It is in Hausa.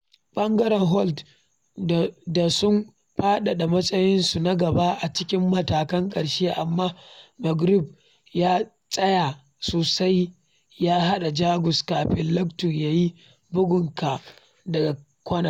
Ɓangaren Holt da sun faɗaɗa matsayinsu na gaba a cikin matakan ƙarshe amma McGregor ya tsaya sosai ya hana Jacobs kafin Lithgow ya yi bugun ka daga kwanar.